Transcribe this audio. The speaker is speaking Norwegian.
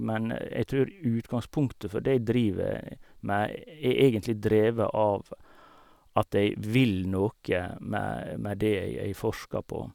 Men jeg tror utgangspunktet for det jeg driver med, er egentlig drevet av at jeg vil noe med med det jeg jeg forsker på.